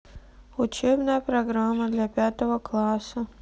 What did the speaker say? учебная программа для пятого класса